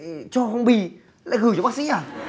cho phong bì lại gửi cho bác sĩ à